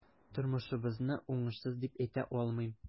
Тормышыбызны уңышсыз дип әйтә алмыйм.